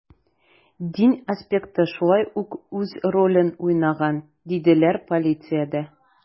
Дин аспекты шулай ук үз ролен уйнаган, диделәр полициядә.